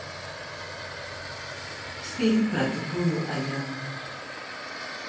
фильм про тупую аяну